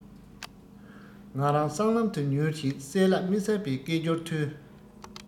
ང རང སྲང ལམ ན ཉུལ བཞིན གསལ ལ མི གསལ བའི སྐད ཅོར ཐོས